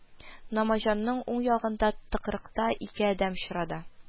Намаҗанның уң ягындагы тыкрыкта ике адәм очрады